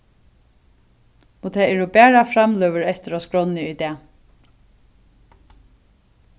og tað eru bara framløgur eftir á skránni í dag